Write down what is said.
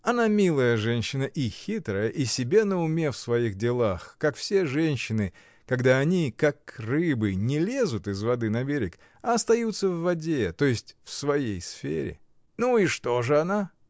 Она милая женщина и хитрая, и себе на уме в своих делах, как все женщины, когда они, как рыбы, не лезут из воды на берег, а остаются в воде, то есть в своей сфере. — Ну, что же она?